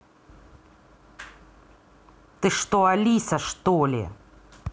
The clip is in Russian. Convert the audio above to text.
ты что алиса что ли